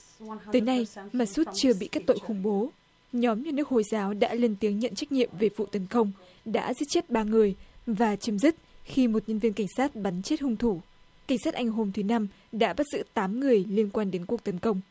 tới nay mà sút chưa bị kết tội khủng bố nhóm nhà nước hồi giáo đã lên tiếng nhận trách nhiệm về vụ tấn công đã giết chết ba người và chấm dứt khi một nhân viên cảnh sát bắn chết hung thủ cảnh sát anh hôm thứ năm đã bắt giữ tám người liên quan đến cuộc tấn công